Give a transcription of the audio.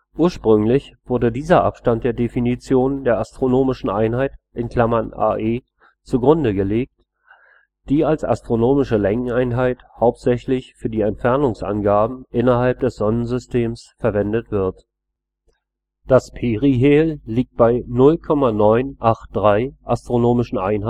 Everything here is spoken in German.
Ursprünglich wurde dieser Abstand der Definition der Astronomischen Einheit (AE) zugrunde gelegt, die als astronomische Längeneinheit hauptsächlich für Entfernungsangaben innerhalb des Sonnensystems verwendet wird. Das Perihel liegt bei 0,983 AE